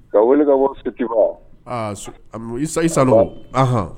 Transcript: Ka wele ka wari aa i sa isan nɔɔn